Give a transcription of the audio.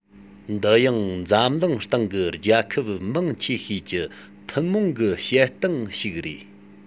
འདི ཡང འཛམ གླིང སྟེང གི རྒྱལ ཁབ མང ཆེ ཤོས ཀྱི ཐུན མོང གི བྱེད སྟངས ཤིག རེད